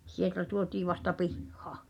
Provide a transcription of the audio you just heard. sieltä tuotiin vasta pihaan